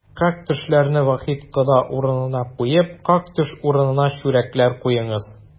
Как-төшләрне Вахит кода урынына куеп, как-төш урынына чүрәкләр куеңыз!